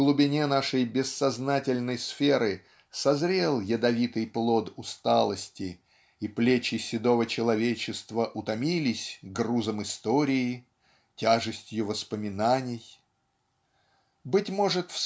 в глубине нашей бессознательной сферы созрел ядовитый плод усталости и плечи седого человечества утомились грузом истории тяжестью воспоминаний? Быть может